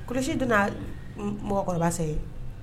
Kulusi donna mɔgɔkɔrɔba sɛ ye